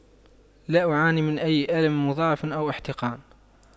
لا أعاني من أي ألم مضاعف أو احتقان